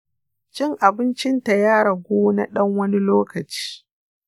cin abincinta ya ragu na dan wani lokaci.